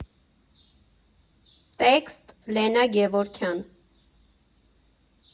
Տեքստ՝ Լենա Գևորգյան։